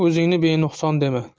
o'zingni benuqson dema